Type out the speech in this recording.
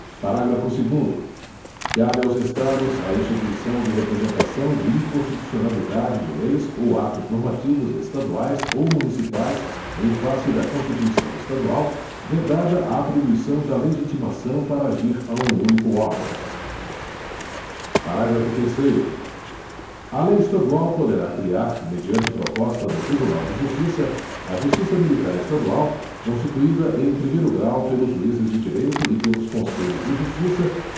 parágrafo segundo cabe aos estados a instituição de representação de inconstitucionalidade de leis ou atos normativos estaduais ou municipais em face da constituição estadual vedada a atribuição da legitimação para agir a um único órgão parágrafo terceiro a lei estadual poderá criar mediante proposta do tribunal de justiça a justiça militar estadual constituída em primeiro grau pelos juízes de direito e pelos conselhos de justiça